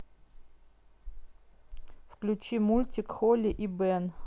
включи мультик холли и бен